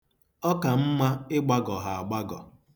Ọ ka mma ịgbagọ ha agbagọ.